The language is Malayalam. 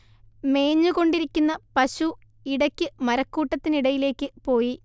മേഞ്ഞുകൊണ്ടിരിക്കുന്ന പശു ഇടക്ക് മരക്കൂട്ടത്തിനിടയിലേക്ക് പോയി